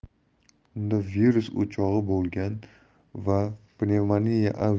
unda virus o'chog'i bo'lgan va